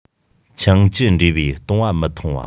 ཆང བཅུད འདྲེས པའི བཏུང བ མི འཐུང བ